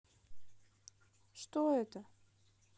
что это